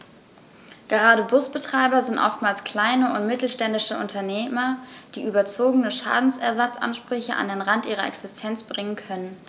Gerade Busbetreiber sind oftmals kleine und mittelständische Unternehmer, die überzogene Schadensersatzansprüche an den Rand ihrer Existenz bringen können.